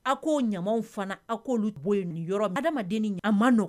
A ko ɲamaw fana a k'olu bɔ nin yɔrɔ ma adamadamadennin a ma nɔ